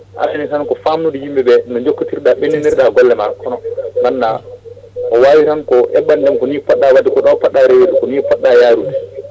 addimi tan ko famnude yimɓeɓe ne jokkotirɗa ɓenninirɗa golle ma kono ganda o wawi tan ko heɓɓandema ko ni tan poɗɗa wadde ko ɗo poɗɗa rewirde walla ko ni poɗɗa yarude